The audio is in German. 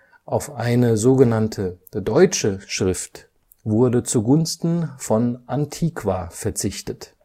Auf eine „ deutsche “Schrift wurde zugunsten von Antiqua verzichtet